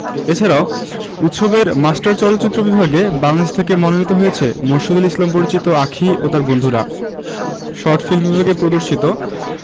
এছাড়াও উৎসবের মাস্টার চলচ্চিত্র বিভাগে বাংলাদেশ থেকে মনোনীত হয়েছে মোরশেদুল ইসলাম পরিচালিত আঁখি ও তার বন্ধুরা শর্ট ফিল্ম বিভাগে প্রদর্শিত